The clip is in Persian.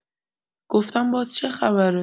گفتم باز چه خبره؟